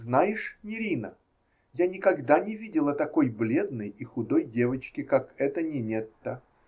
***-- Знаешь, Нерина, я никогда не видела такой бледной и худой девочки, как эта Нинетта.